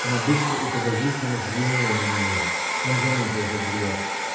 Она быстро и подозрительно взглянула на него. Он заметил этот взгляд.